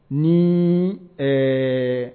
Ni ɛɛ